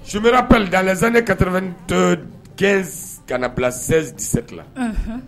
Je me rappelle dans les années 1995 ka na bila 96 97 la.